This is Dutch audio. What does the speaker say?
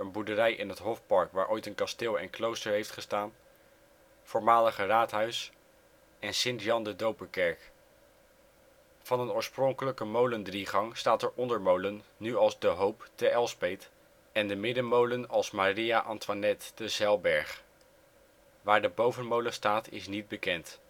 boerderij in het Hofpark waar ooit een kasteel en klooster heeft gestaan. Voormalige raadhuis Sint-Jan de Doperkerk Van een oorspronkelijke molendriegang staat de ondermolen nu als De Hoop te Elspeet en de middenmolen als Maria-Antoinette te Zeilberg. Waar de bovenmolen staat, is niet bekend